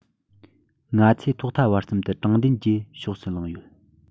ང ཚོས ཐོག མཐའ བར གསུམ དུ དྲང བདེན གྱི ཕྱོགས སུ ལངས ཡོད